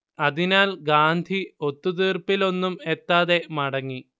അതിനാൽ ഗാന്ധി ഒത്തുതീർപ്പിലൊന്നും എത്താതെ മടങ്ങി